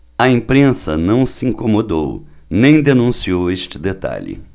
a imprensa não se incomodou nem denunciou esse detalhe